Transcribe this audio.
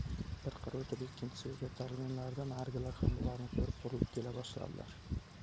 bir qir o'tib ikkinchisiga ko'tarilganlarida narigilar ham bularni ko'rib burilib kela boshladilar